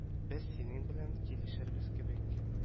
Без синең белән килешербез кебек